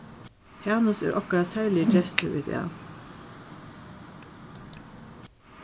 hanus er okkara serligi gestur í dag